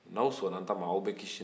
n'aw sɔnna n ta ma aw bɛ kisi